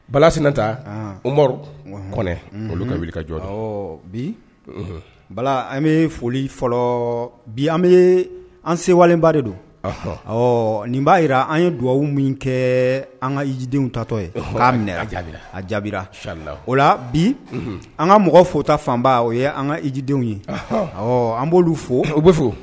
Balasita kɔn olu ka wuli ka jɔ bi bala an bɛ foli fɔlɔ bi an bɛ an sewalenba de don ɔ nin b'a jira an ye dugawuwababu min kɛ an ka ijidenw tatɔ ye minɛ jaabi a jaabibi o la bi an ka mɔgɔ fota fanba o ye an ka ijidenw ye ɔ an b'olu fo u bɛ fo